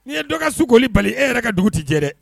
N'i ye dɔ ka sukoli bali e yɛrɛ ka dugu tɛ jɛ dɛ.